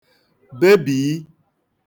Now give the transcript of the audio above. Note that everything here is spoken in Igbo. bebìi